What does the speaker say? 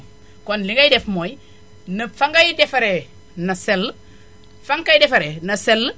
kon li ngay def mooy na fa ngay defaree na sell fa nga koy defaree na sell